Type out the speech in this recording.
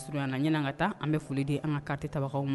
Surun ɲɛna ka taa an bɛ foliden an ka katɛ tabagaw ma